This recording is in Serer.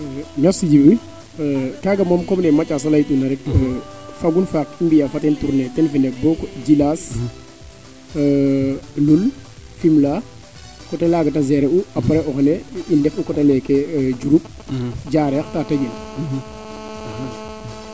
merci Djiby kaaga moom comme nee Mathiase a ley tuuna rek fagun faak i mbiya fo ten tourner ten fene bo Djilase Loul Fimela coté laaga te gerer u apres o xene i ndet u coté leeke Diouroup Diarekh Tataguine